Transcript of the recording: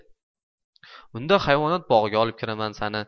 unda hayvonot bog'iga olib kiraman sani